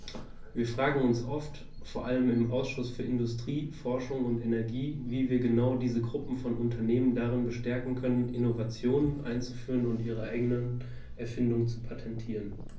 Wir fragen uns oft, vor allem im Ausschuss für Industrie, Forschung und Energie, wie wir genau diese Gruppe von Unternehmen darin bestärken können, Innovationen einzuführen und ihre eigenen Erfindungen zu patentieren.